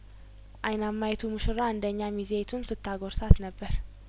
አይናማዪቱ ሙሽራ አንደኛ ሚዜዪቱን ስታጐርሳት ነበር